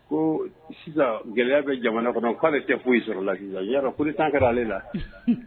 Koo sisan gɛlɛya bɛ jamana kɔnɔ k'ale tɛ foyi sɔrɔla sisan yɔrɔ coups d'Etat kɛr'ale la unhun